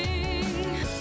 sẽ